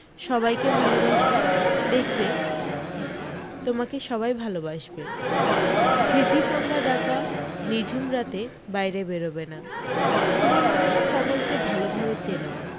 সবাইকে ভালোবাসবে দেখবে তোমাকে সবাই ভালোবাসবে ঝিঝি পোকা ডাকা নিঝুম রাতে বাইরে বেরোবে না তুমি মনে হয় কমলকে ভালোভাবে চেনো